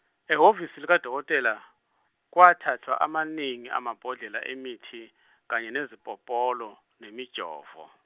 ehhovisi lika Dokotela, kwathathwa amaningi amabhodlela emithi kanye nezipopolo nemijovo.